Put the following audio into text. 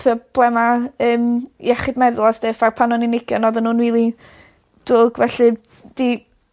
problema yym iechyd meddwl a stuff a pan o'n i'n ugien odden nw'n rili drwg felly 'di